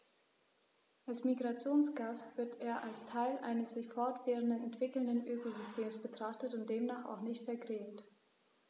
Als Migrationsgast wird er als Teil eines sich fortwährend entwickelnden Ökosystems betrachtet und demnach auch nicht vergrämt.